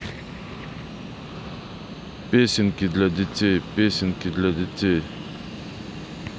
песенки для детей песенки для детей